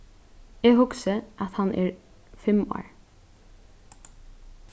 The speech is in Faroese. eg hugsi at hann er fimm ár